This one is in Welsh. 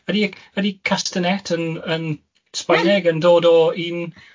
Ydy ydy castanet yn yn Sbaeneg yn dod o'r un